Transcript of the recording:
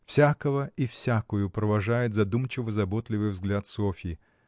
Всякого и всякую провожает задумчиво-заботливый взгляд Софьи.